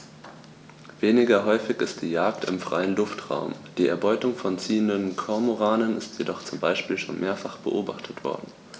Weniger häufig ist die Jagd im freien Luftraum; die Erbeutung von ziehenden Kormoranen ist jedoch zum Beispiel schon mehrfach beobachtet worden.